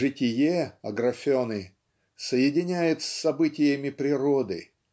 житие Аграфены соединяет с событиями природы